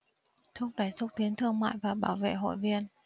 thúc đẩy xúc tiến thương mại và bảo vệ hội viên